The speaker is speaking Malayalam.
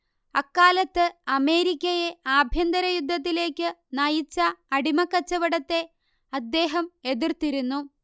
അക്കാലത്ത് അമേരിക്കയെ ആഭ്യന്തരയുദ്ധത്തിലേയ്ക്കു നയിച്ച അടിമക്കച്ചവടത്തെ അദ്ദേഹം എതിർത്തിരുന്നു